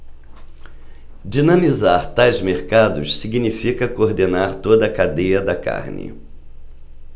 dinamizar tais mercados significa coordenar toda a cadeia da carne